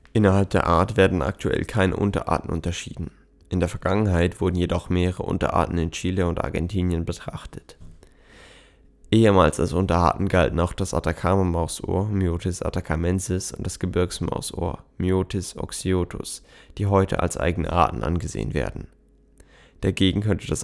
Innerhalb der Art werden aktuell keine Unterarten unterschieden, in der Vergangenheit wurden jedoch mehrere Unterarten in Chile und Argentinien betrachtet. Ehemals als Unterarten galten auch das Atacama-Mausohr (Myotis atacamensis) und das Gebirgsmausohr (Myotis oxyotus), die heute als eigene Arten angesehen werden, dagegen könnte